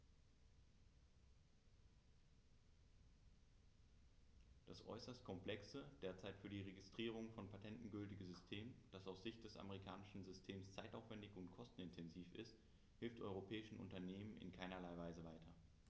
Das äußerst komplexe, derzeit für die Registrierung von Patenten gültige System, das aus Sicht des amerikanischen Systems zeitaufwändig und kostenintensiv ist, hilft europäischen Unternehmern in keinerlei Weise weiter.